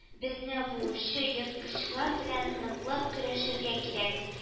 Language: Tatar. Безне буучы ерткычлар белән ныклап көрәшергә кирәк